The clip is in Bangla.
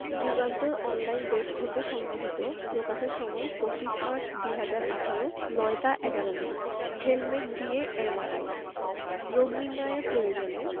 যুগান্তর অনলাইন ডেস্ক হতে সংগৃহীত প্রকাশের সময় ২৫ মার্চ ২০১৮ ০৯ টা ১১ মিনিট হেলমেট দিয়ে এমআরআই রোগ নির্নয়ের প্রয়োজনে